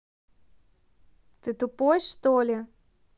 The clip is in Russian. ты что тупой что ли